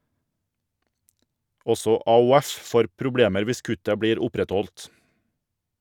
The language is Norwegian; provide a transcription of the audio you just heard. Også AOF får problemer hvis kuttet blir opprettholdt.